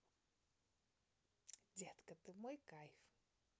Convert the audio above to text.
детка ты мой кайф